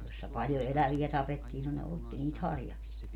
jossa paljon eläviä tapettiin no ne otti niitä harjaksia